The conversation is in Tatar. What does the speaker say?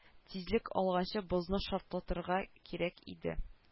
Тизлек алганчы бозны шартлатырга кирәк иде